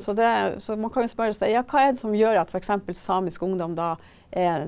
så det så man kan jo spørre seg, ja hva er det som gjør at f.eks. samisk ungdom da er,